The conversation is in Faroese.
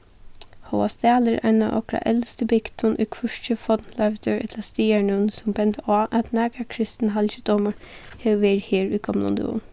hóast dalur ein av okra elstu bygdum eru hvørki fornleivdir ella staðarnøvn sum benda á at nakar kristin halgidómur hevur verið her í gomlum døgum